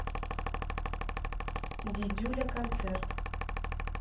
дидюля концерт